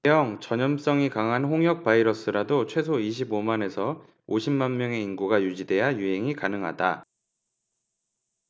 가령 전염성이 강한 홍역 바이러스라도 최소 이십 오 만 에서 쉰 만명의 인구가 유지돼야 유행이 가능하다